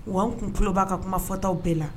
Wa un kun kulo ba ka kuma fɔtaw bɛɛ la.